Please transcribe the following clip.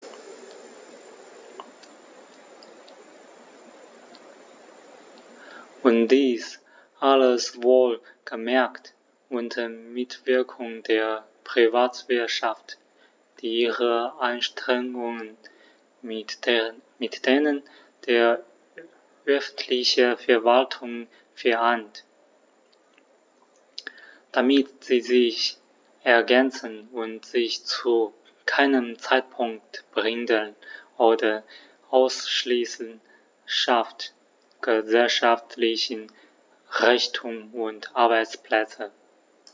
Und dies alles - wohlgemerkt unter Mitwirkung der Privatwirtschaft, die ihre Anstrengungen mit denen der öffentlichen Verwaltungen vereint, damit sie sich ergänzen und sich zu keinem Zeitpunkt behindern oder ausschließen schafft gesellschaftlichen Reichtum und Arbeitsplätze.